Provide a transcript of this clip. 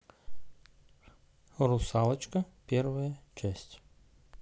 русалочка первая часть